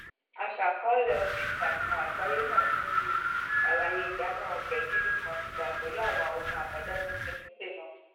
Aṣàkọọ́lẹ̀ oríìtakùn àgbáyé náà tún fi àlàyé ìdáná ọbẹ̀ dídùn kan síta pẹ̀lú àwọn àwòrán àbájáde oúnjẹ síse náà.